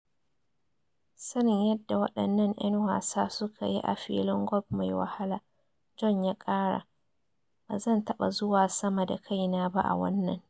Sanin yadda wadannan ‘yan wasan suka yi a filin golf mai wahala, Bjorn ya kara: “Ba zan taɓa zuwa sama da kaina ba a wannan.